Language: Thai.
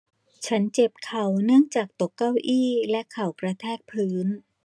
ฉันเจ็บเข่าเนื่องจากตกเก้าอี้และเข่ากระแทกพื้น